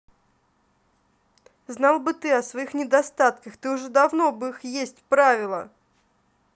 знал бы ты о своих недостатках ты уже давно бы их есть правило